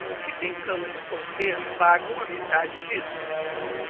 os que têm cama de solteiro pagam a metade disso